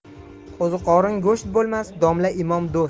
qo'ziqorin go'sht bo'lmas domla imom do'st